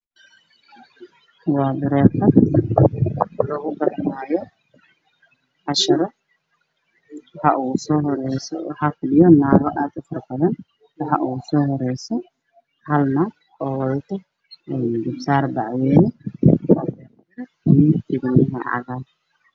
Waa kalaasyo lagu baranaayo cashira waxaa u soo horeeyo waxaa fadhiyo naago aad u badan waxaa ugu soo horeeyo hal naag oo watada garbosaar baac wayne iyo jawane cagaar.